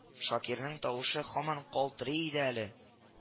— шакирнең тавышы һаман калтырый иде әле